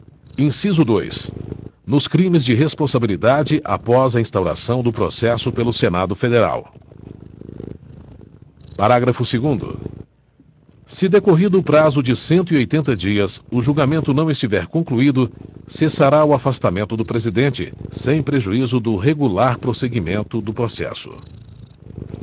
inciso dois nos crimes de responsabilidade após a instauração do processo pelo senado federal parágrafo segundo se decorrido o prazo de cento e oitenta dias o julgamento não estiver concluído cessará o afastamento do presidente sem prejuízo do regular prosseguimento do processo